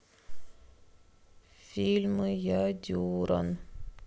фильмы я дюран